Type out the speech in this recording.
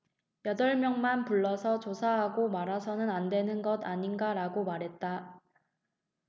여덟 명만 불러서 조사하고 말아서는 안되는 것 아닌가라고 말했다